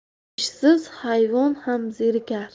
ishsiz hayvon ham zerikar